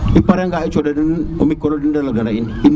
i pare a nga i conda den o micro le de lal gana in